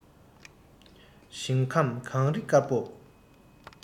ཞིང ཁམས གངས རི དཀར པོ